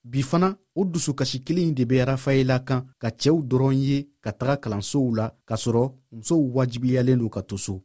bi fana o dusukasi kelen in de bɛ raphaela kan ka cɛw dɔrɔn ye ka taga kalansow la kasɔrɔ musow wajibiyalen don ka to so